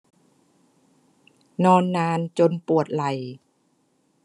นอนนานจนปวดไหล่